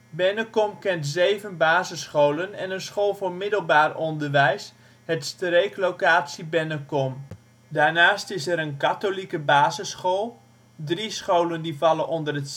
Bennekom kent zeven basisscholen en een school voor middelbaar onderwijs (Het Streek, locatie Bennekom). Daarnaast is er een katholieke basisschool, drie scholen die vallen onder het